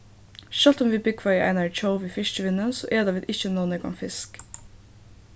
sjálvt um vit búgva í einari tjóð við fiskivinnu so eta vit ikki nóg nógvan fisk